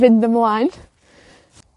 fynd ymlaen.